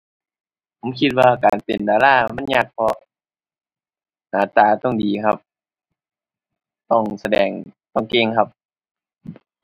ผมคิดว่าการเป็นดารามันยากเพราะหน้าตาต้องดีครับ ต้องแสดง ต้องเก่งครับ